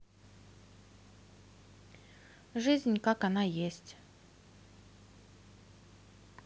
жизнь как она есть